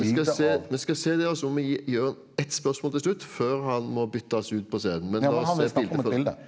vi skal se vi skal se det og så må vi gi Jørn ett spørsmål til slutt før han må byttes ut på scenen men la oss se et bilde .